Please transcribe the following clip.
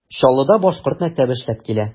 Чаллыда башкорт мәктәбе эшләп килә.